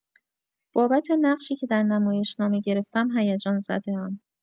بابت نقشی که در نمایشنامه گرفتم هیجان‌زده‌ام.